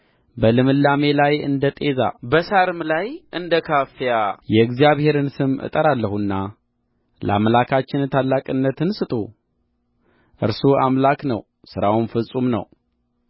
በልምላሜ ላይ እንደ ጤዛ በሣርም ላይ እንደ ካፊያ የእግዚአብሔርን ስም እጠራለሁና ለአምላካችን ታላቅነትን ስጡ እርሱ አምላክ ነው ሥራውም ፍጹም ነው